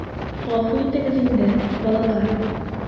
Гафу итегез инде, балалар...